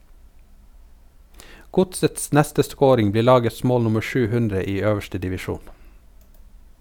Godsets neste scoring blir lagets mål nummer 700 i øverste divisjon.